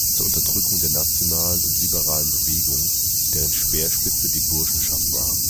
zur Unterdrückung der nationalen und liberalen Bewegung, deren Speerspitze die Burschenschaft war